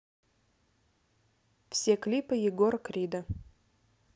все клипы егора крида